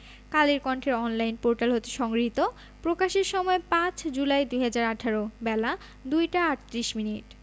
কালের কন্ঠের online portal হতে সংগৃহীত প্রকাশের সময় ৫ জুলাই ২০১৮ বেলা ২টা ৩৮ মিনিট